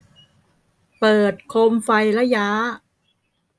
เปิดโคมไฟระย้า